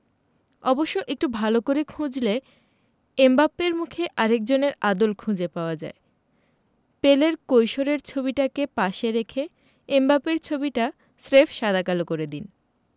অবশ্য একটু ভালো করে খুঁজলে এমবাপ্পের মুখে আরেকজনের আদল খুঁজে পাওয়া যায় পেলের কৈশোরের ছবিটাকে পাশে রেখে এমবাপ্পের ছবিটা স্রেফ সাদা কালো করে দিন